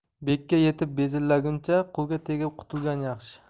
bekka yetib bezillaguncha qulga tegib qutulgan yaxshi